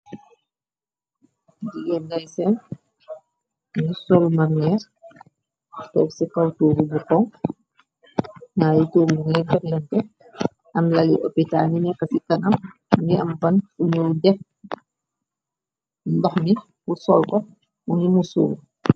Digéem nay seen nu solmarneer toog ci kawtuuru bu xoŋ nayi tur lu nga fexlente am lali opita ni nekk ci tanam ni am pan umoo dex ndox nix bu solkox mu ngi musuur.